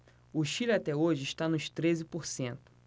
o chile até hoje está nos treze por cento